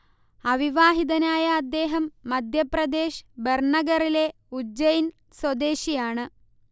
അവിവാഹിതനായ അദ്ദേഹം മധ്യപ്രദേശ് ബർണഗറിലെ ഉജ്ജയിൻ സ്വദേശിയാണ്